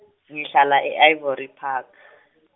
ngihlala e- Ivory Park.